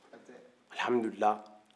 hatɛ al hamdulillah